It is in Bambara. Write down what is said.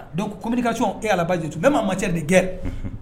Donc communication est à la base de tout même en matière de guerre . Unhun.